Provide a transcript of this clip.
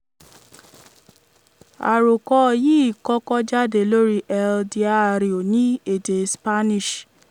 Àròkọ yìí kọ́kọ́ jáde lórí El Diario, ní èdè Spanish.